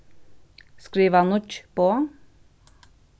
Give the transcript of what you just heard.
skriva nýggj boð